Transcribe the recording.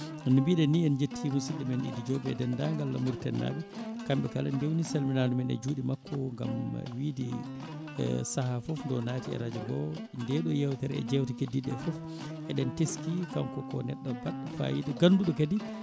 no mbiɗen ni en jetti musidɗo men Idy Diop e dendagal Mauritanie naaɓe kamɓe kala en dewni salminali men e juuɗe makko o gaam wiide saaha foof nde o naati e radio o nde ɗo yewtere e jewte keddiɗe ɗe foof enen teski kanko ko neɗɗo mbaɗɗo fayida ganduɗo kadi